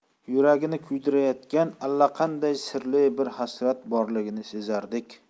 yuragini kuydirayotgan allaqanday sirli bir hasrat borligini sezardik